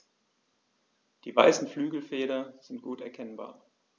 Die weißen Flügelfelder sind gut erkennbar.